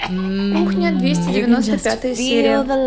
кухня девяносто пятая серия